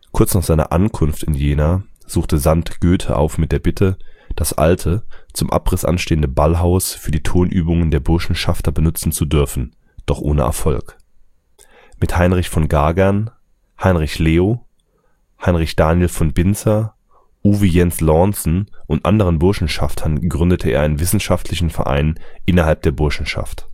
Kurz nach seiner Ankunft in Jena suchte Sand Goethe auf mit der Bitte, das alte, zum Abriss anstehende Ballhaus für die Turnübungen der Burschenschafter benutzen zu dürfen, doch ohne Erfolg. Mit Heinrich von Gagern, Heinrich Leo, August Daniel von Binzer, Uwe Jens Lornsen und anderen Burschenschaftern gründete er einen wissenschaftlichen Verein innerhalb der Burschenschaft